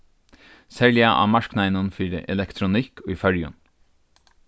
serliga á marknaðinum fyri elektronikk í føroyum